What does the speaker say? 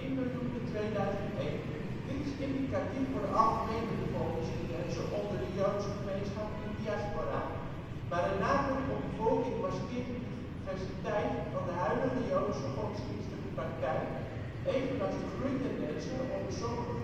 miljoen in 2001. Dit is indicatief voor de algemene bevolkingstendensen onder de joodse gemeenschap in diaspora, maar een nadruk op bevolking maskeert de diversiteit van de huidige joodse godsdienstige praktijk, evenals de groeitendensen onder sommige